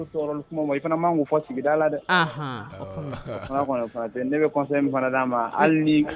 So tɔɔrɔli kuma ma i fana maan k'o fɔ sigida la dɛ anhan awɔɔ ne bɛ' ma fana kɔni parce que ne be conseil min fana d'a ma hali n'i k